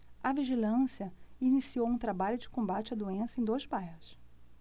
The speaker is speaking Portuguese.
a vigilância iniciou um trabalho de combate à doença em dois bairros